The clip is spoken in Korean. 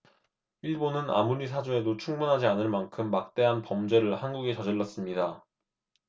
일본은 아무리 사죄해도 충분하지 않을 만큼 막대한 범죄를 한국에 저질렀습니다